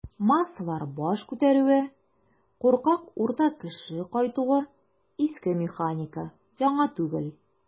"массалар баш күтәрүе", куркак "урта кеше" кайтуы - иске механика, яңа түгел.